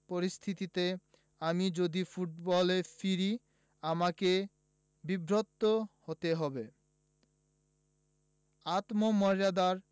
পরিস্থিতিতে আমি যদি ফুটবলে ফিরি আমাকে বিব্রত হতে হবে আত্মমর্যাদার